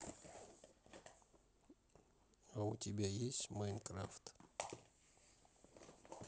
а у тебя есть майнкрафт